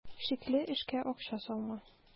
Шикле эшкә акча салма.